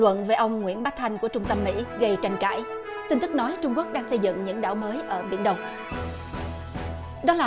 luận với ông nguyễn bá thanh của trung tâm mỹ gây tranh cãi tin tức nói trung quốc đang xây dựng những đảo mới ở biển đông đó là